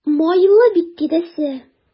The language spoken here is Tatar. Майлы бит тиресе.